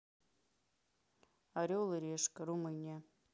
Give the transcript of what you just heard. орел и решка румыния